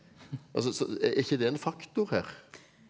altså så er ikke det en faktor her?